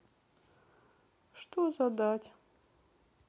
что задать